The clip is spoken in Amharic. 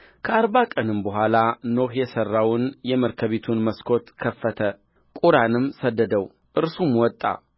ከአርባ ቀንም በኋላ ኖኅ የሠራውን የመርከቢቱን መስኮት ከፈተ ቁራንም ሰደደው እርሱም ወጣ